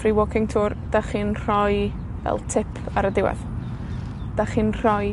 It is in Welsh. free walking tour 'dach chi'n rhoi fel tip ar y diwedd. 'Dach chi'n rhoi